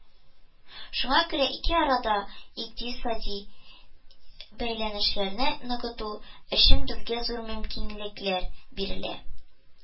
Шуңа күрә ике арада икътисади бәйләнешләрне ныгыту өчен безгә зур мөмкинлекләр бирелә